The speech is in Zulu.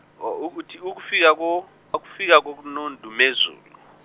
ukuthi ukufika ko- ukufika koNondumezulu.